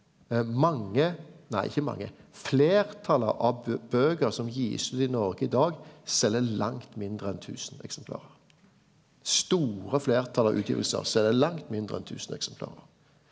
mange nei ikkje mange fleirtalet av bøker som gis ut i Noreg i dag seljer langt mindre enn 1000 eksemplar store fleirtal av utgivingar seljer langt mindre enn 1000 eksemplar.